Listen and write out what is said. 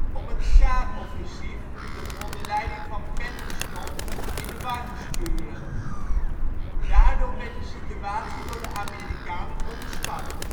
om het Saar-offensief, dat onder leiding van Patton stond, in de war te sturen. Daardoor werd de situatie door de Amerikanen onderschat